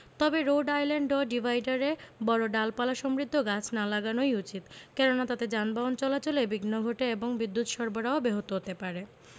তবে road island ও ডিভাইডারে বড় ডালপালাসমৃদ্ধ গাছ না লাগানোই উচিত কেননা তাতে যানবাহন চলাচলে বিঘ্ন ঘটে এবং বিদ্যুত সরবরাহ ব্যাহত হতে পারে